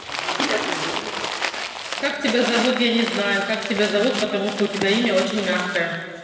как тебя зовут я не знаю как тебя зовут потому что у тебя имя очень мягкое